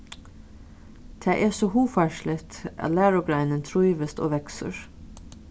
tað er so hugfarsligt at lærugreinin trívist og veksur